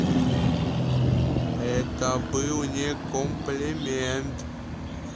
это был не комплимент